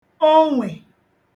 onwè